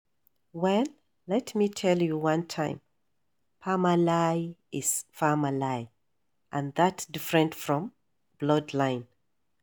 Well, let me tell you one time, famalay is famalay and that different from bloodline